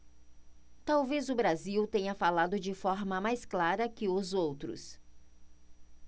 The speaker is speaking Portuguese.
talvez o brasil tenha falado de forma mais clara que os outros